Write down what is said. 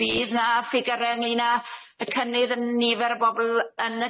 Bydd 'na ffigyre ynglŷn â y cynnydd yn nifer o bobol yn